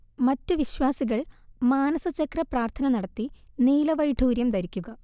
മറ്റു വിശ്വാസികൾ മാനസചക്ര പ്രാർത്ഥന നടത്തി നീലവൈഢൂര്യം ധരിക്കുക